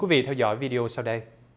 vì theo dõi vi đi ô sau đây